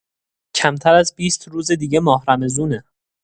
کمتر از ۲۰ روز دیگه ماه رمضونه.